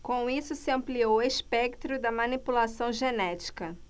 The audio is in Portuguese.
com isso se ampliou o espectro da manipulação genética